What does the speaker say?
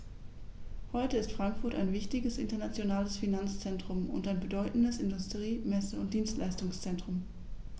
Heute ist Frankfurt ein wichtiges, internationales Finanzzentrum und ein bedeutendes Industrie-, Messe- und Dienstleistungszentrum.